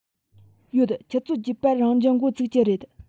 ཡོད ཆུ ཚོད བརྒྱད པར རང སྦྱོང འགོ ཚུགས ཀྱི རེད